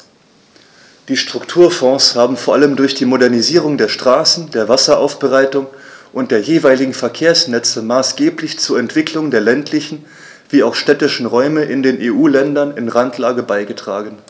Die Strukturfonds haben vor allem durch die Modernisierung der Straßen, der Wasseraufbereitung und der jeweiligen Verkehrsnetze maßgeblich zur Entwicklung der ländlichen wie auch städtischen Räume in den EU-Ländern in Randlage beigetragen.